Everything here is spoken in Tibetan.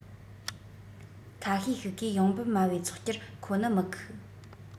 ཁ ཤས ཤིག གིས ཡོང འབབ དམའ བའི ཚོགས སྤྱིར ཁོ ནི མི ཁུགས